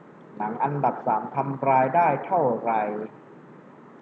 หนังอันดับสามทำรายได้เท่าไหร่